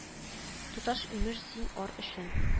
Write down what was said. Туташ имеш зин ар өчен